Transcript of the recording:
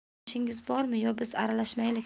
tanishingiz bormi yo biz aralashaylikmi